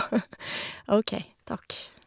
OK, takk.